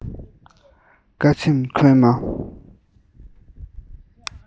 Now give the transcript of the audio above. བཀའ ཆེམས ཀ ཁོལ མ